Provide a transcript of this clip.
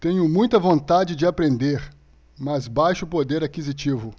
tenho muita vontade de aprender mas baixo poder aquisitivo